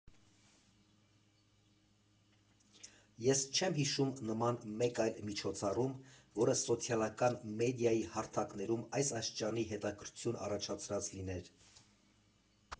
Ես չեմ հիշում նման մեկ այլ միջոցառում, որը սոցիալական մեդիայի հարթակներում այս աստիճանի հետաքրքրություն առաջացրած լիներ,